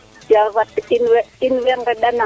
in way ngenda nang